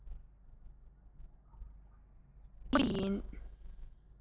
རིང པོ ཡིན